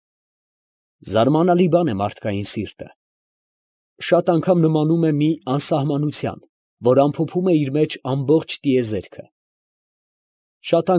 Զարմանալի բան է մարդկային սիրտը. շատ անգամ նմանում է մի անսահմանության, որ ամփոփում է իր մեջ ամբողջ տիեզերքը, շատ։